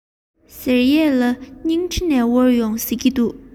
ཟེར ཡས ལ ཉིང ཁྲི ནས དབོར ཡོང བ རེད ཟེར གྱིས